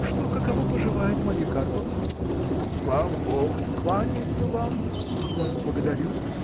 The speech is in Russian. – Что, каково поживает Марья Карповна? – Слава богу! кланяется вам. – Покорно благодарю